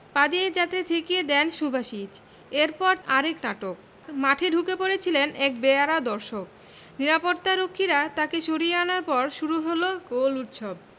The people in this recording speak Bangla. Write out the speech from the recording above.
পা দিয়ে এ যাত্রায় ঠেকিয়ে দেন সুবাসিচ এরপর আরেক নাটক মাঠে ঢুকে পড়েছিলেন এক বেয়াড়া দর্শক নিরাপত্তারক্ষীরা তাকে সরিয়ে আনার পর শুরু হল গোল উৎসব